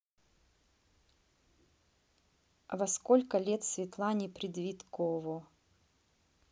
а во сколько лет светлане предвиково